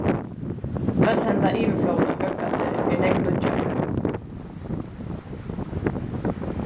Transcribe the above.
øll henda yvirflóðin av góðgæti er nógv nýggjari